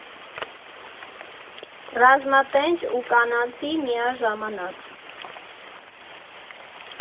Ռազմատենչ ու կանացի միաժամանակ։